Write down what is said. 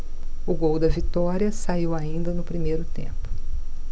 o gol da vitória saiu ainda no primeiro tempo